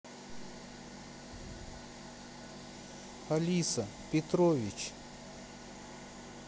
алиса петрович